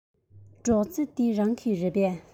སྒྲོག རྩེ འདི རང གི རེད པས